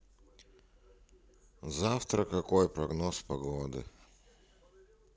завтра какой прогноз погоды